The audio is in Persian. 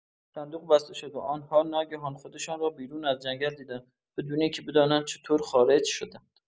صندوق بسته شد و آن‌ها ناگهان خودشان را بیرون از جنگل دیدند، بدون اینکه بدانند چطور خارج شدند.